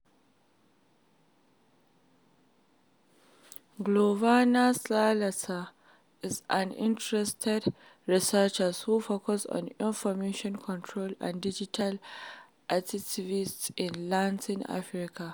Giovanna Salazar is an internet researcher who focuses on information controls and digital activism in Latin America.